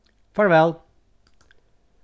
farvæl